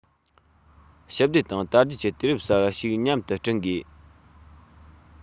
༄༅ ཞི བདེ དང དར རྒྱས ཀྱི དུས རབས གསར པ ཞིག མཉམ དུ བསྐྲུན དགོས